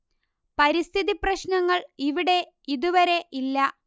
പരിസ്ഥിതി പ്രശ്നങ്ങൾ ഇവിടെ ഇതുവരെ ഇല്ല